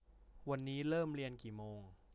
วันนี้เริ่มเรียนกี่โมง